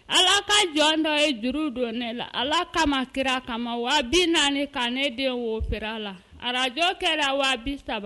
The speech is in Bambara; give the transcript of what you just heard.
Ala ka jɔn dɔ ye juru don la ala kama kira kama naani ka ne den wo la araj kɛra saba